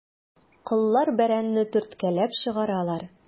Коллар бәрәнне төрткәләп чыгаралар.